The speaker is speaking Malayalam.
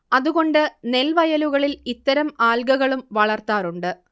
അതുകൊണ്ട് നെൽവയലുകളിൽ ഇത്തരം ആൽഗകളും വളർത്താറുണ്ട്